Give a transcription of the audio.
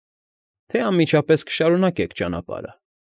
Թե՞ անմիջապես կշարունակեք ճանապարհը։